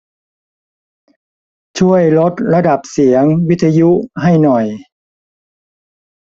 ช่วยลดระดับเสียงวิทยุให้หน่อย